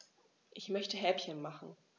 Ich möchte Häppchen machen.